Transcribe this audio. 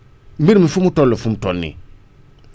mbir mi fu mu toll fu mu toll nii